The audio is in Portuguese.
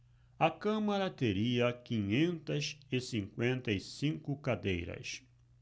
a câmara teria quinhentas e cinquenta e cinco cadeiras